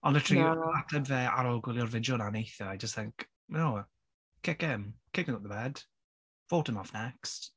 Ond literally... no ...ateb fe ar ôl gwylio'r fideo yna neithiwr I just think "No kick him. Kick him out the bed. Vote him off next."